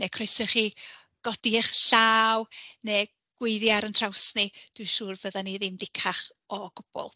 Neu croeso i chi godi eich llaw neu gweiddi ar ein traws ni, dwi'n siwr fyddan ni ddim dicach o gwbl.